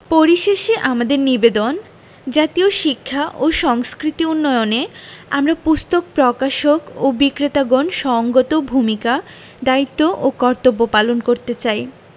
পরিশেষে আমাদের নিবেদন জাতীয় শিক্ষা ও সংস্কৃতি উন্নয়নে আমরা পুস্তক প্রকাশক ও বিক্রেতাগণ সঙ্গত ভূমিকা দায়িত্ব ও কর্তব্য পালন করতে চাই